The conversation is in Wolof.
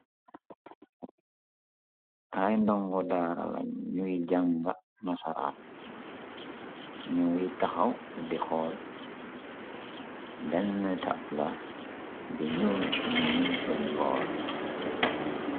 Aye ndongo daara len ñuy janga nasaraan nuge taxaw di xool bene tabla bu ñuul mu ngi seen borr.